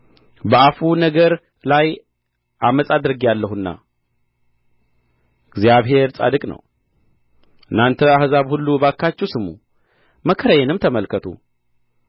በአፉ ነገር ላይ ዓመፅ አድርጌአለሁና እግዚአብሔር ጻድቅ ነው እናንተ አሕዛብ ሁሉ እባካችሁ ስሙ መከራዬንም ተመልከቱ